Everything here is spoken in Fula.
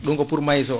ɗum ko pour :maïs